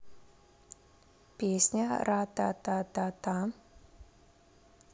песня рататата та